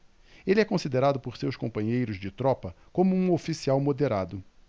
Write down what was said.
ele é considerado por seus companheiros de tropa como um oficial moderado